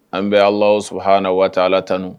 An bɛ ala sɔrɔ hana waa ala tanunu